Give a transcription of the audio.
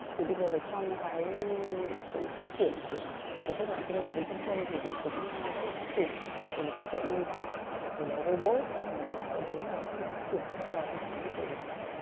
thì bây giờ là trong cái sự phát triển của cuộc cách mạng công nghệp bốn chấm không thì thì cũng rất là phát triển rồi là trí tuệ nhân tạo rồi là rô bốt rồi là những cái đấy là rất là phát triển cho nên đòi hỏi là bây giờ là